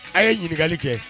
A' ye ɲininkali kɛ